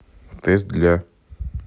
тест для